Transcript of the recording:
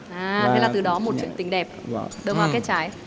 à thế là từ đó một chuyện tình đẹp đơm hoa kết trái